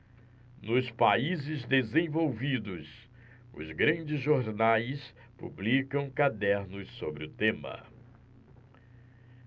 nos países desenvolvidos os grandes jornais publicam cadernos sobre o tema